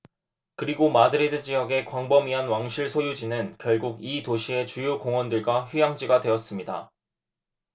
그리고 마드리드 지역의 광범위한 왕실 소유지는 결국 이 도시의 주요 공원들과 휴양지가 되었습니다